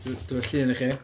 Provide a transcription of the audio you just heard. dwi'n dwi'n rhoi llun i chi.